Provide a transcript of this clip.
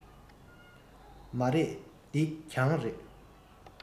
མ རེད འདི གྱང རེད